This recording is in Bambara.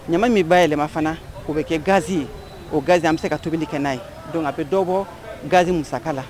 Ɲama min ba yɛlɛma fana o bɛ kɛ gazi ye o gai an bɛ se ka tobili kɛ n'a ye don a bɛ dɔw bɔ gai musa la